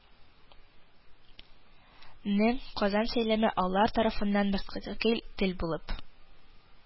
Нең казан сөйләме алар тарафыннан мөстәкыйль тел булып